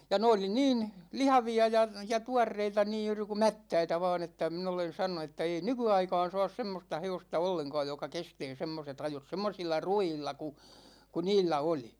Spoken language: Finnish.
ja ne oli niin lihavia ja ja tuoreita niin juuri kuin mättäitä vain että minä olen sanonut että ei nykyaikaan saa semmoista hevosta ollenkaan joka kestää semmoiset ajot semmoisilla ruuilla kuin kuin niillä oli